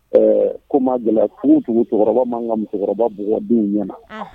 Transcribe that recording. Ɛɛ ko ma gɛlɛn kungo tugu cɛkɔrɔba man ka musokɔrɔba bɔgɔɔdenw ɲɛna na